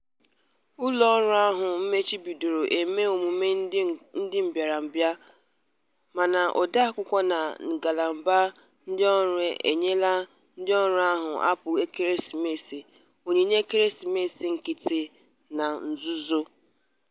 Ụlọọrụ ahụ machibidoro ime emume ndị mbịarambịa. Mana odeakwụkwọ na ngalaba ndịọrụ enyela ndịọrụ ahụ apụl ekeresimesi [onyinye ekeresimesi nkịtị] na nzuzo.